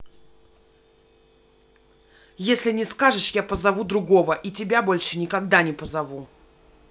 если не скажешь я позову другого и тебя больше никогда не позову